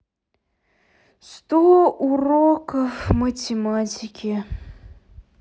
сто уроков математики